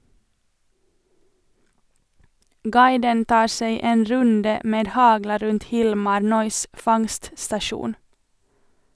Guiden tar seg en runde med hagla rundt Hilmar Nøis' fangststasjon.